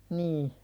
niin